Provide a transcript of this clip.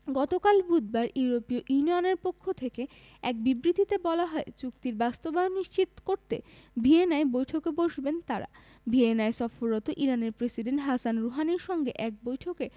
গতকাল বুধবার ইউরোপীয় ইউনিয়নের পক্ষ থেকে এক বিবৃতিতে বলা হয় চুক্তির বাস্তবায়ন নিশ্চিত করতে ভিয়েনায় বৈঠকে বসবেন তাঁরা ভিয়েনায় সফররত ইরানের প্রেসিডেন্ট হাসান রুহানির সঙ্গে এক বৈঠকে